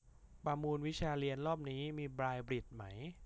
ประมูลวิชาเรียนรอบนี้มีบลายบิดไหม